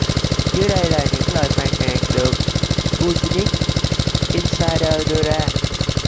dưới đây là những lời phàn nàn được business insider đưa ra